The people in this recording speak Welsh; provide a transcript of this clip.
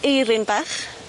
Eirin bach.